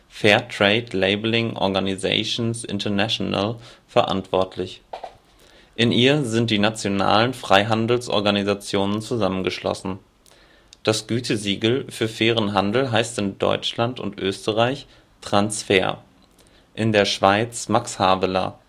Fairtrade Labelling Organizations International (FLO) verantwortlich. In ihr sind die nationalen Fairhandelsorganisationen zusammengeschlossen. Das Gütesiegel für fairen Handel heißt in Deutschland und Österreich TransFair, in der Schweiz Max Havelaar